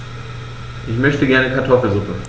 Ich möchte gerne Kartoffelsuppe.